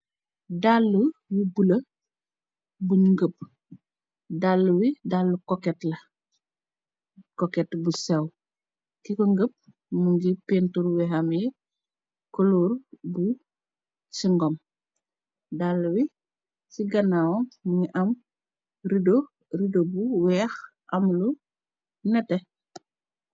Dàll wu bula buñu ngëpp dall wi dall koket bu sew ki ko ngëpp mu ngi pentur wehame coloor bu ci ngom dall wi ci gana mngi am rorideo bu weex amlu nete